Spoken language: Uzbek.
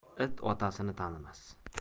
it otasini tanimas